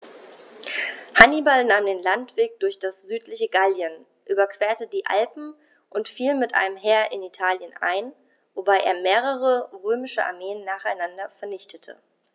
Hannibal nahm den Landweg durch das südliche Gallien, überquerte die Alpen und fiel mit einem Heer in Italien ein, wobei er mehrere römische Armeen nacheinander vernichtete.